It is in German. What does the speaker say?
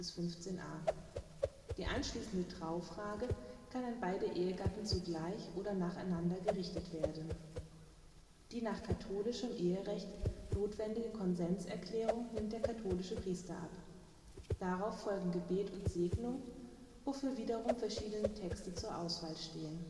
3,12-15a). Die anschließende Traufrage kann an beide Ehegatten zugleich oder nacheinander gerichtet werden. Die nach katholischem Eherecht notwendige Konsenserklärung nimmt der katholische Priester ab. Darauf folgen Gebet und Segnung, wofür wiederum verschiedene Texte zur Auswahl stehen